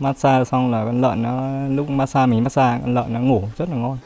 mát xa xong là con lợn nó lúc mát xa mình mát xa là con lợn nó ngủ rất là ngon